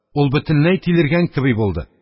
Ул бөтенләй тилергән кеби булды.